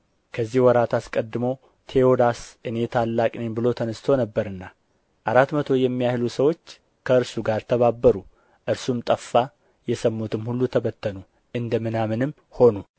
ከዚህ ወራት አስቀድሞ ቴዎዳስ እኔ ታላቅ ነኝ ብሎ ተነሥቶ ነበርና አራት መቶ የሚያህሉ ሰዎችም ከእርሱ ጋር ተባበሩ እርሱም ጠፋ የሰሙትም ሁሉ ተበተኑ እንደ ምናምንም ሆኑ